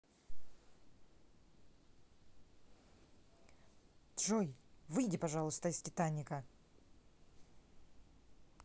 джой выйди пожалуйста из титаника